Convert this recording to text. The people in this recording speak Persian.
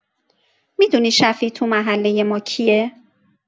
می‌دونی شفیع توی محلۀ ما کیه؟